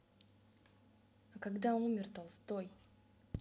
а когда умер толстой